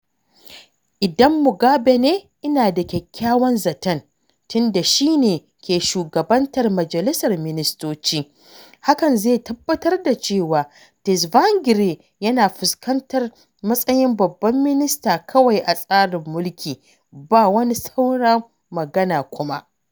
Inda Mugabe ne, ina da kyakkyawan zaton, tun da shine ke Shugabantar Majalisar Ministoci, hakan zai tabbatar da cewa Tsvangirai yana fuskantar matsayin Babban Minister kawai a tsarin mulki, ba wani sauran magana kuma .